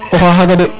oxey xaga de